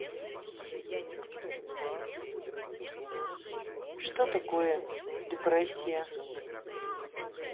что такое депрессия